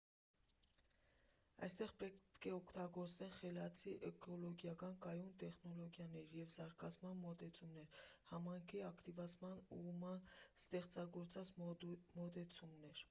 «Այստեղ պետք է օգտագործվեն խելացի, էկոլոգիական, կայուն տեխնոլոգիաներ և զարգացման մոտեցումներ, համայնքի ակտիվացմանն ուղղված ստեղծագործ մոտեցումներ։